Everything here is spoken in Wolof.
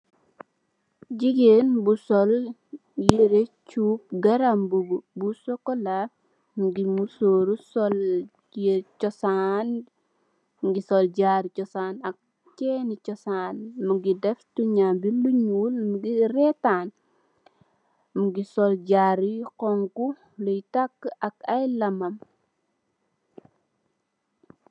Jigeen bu sol yere cxubb garambubu bu cxocola mongi musuru soli cxosaan mongi sol jaaru cxosaan ak cxaini cxosaan mongi def tunyam bi lu nuul monge retan mongi sol jaaru yoi taka ak ay lamam.